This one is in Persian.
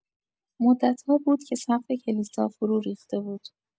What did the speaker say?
مدت‌ها بود که سقف کلیسا فرو ریخته بود.